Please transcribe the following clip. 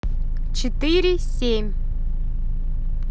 четыре семь